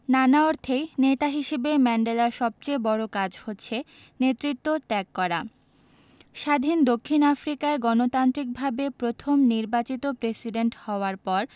নানা অর্থেই নেতা হিসেবে ম্যান্ডেলার সবচেয়ে বড় কাজ হচ্ছে নেতৃত্ব ত্যাগ করা স্বাধীন দক্ষিণ আফ্রিকায় গণতান্ত্রিকভাবে প্রথম নির্বাচিত প্রেসিডেন্ট হওয়ার পর